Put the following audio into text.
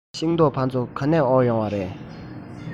ཤིང ཏོག ཕ ཚོ ག ནས དབོར ཡོང བ རེད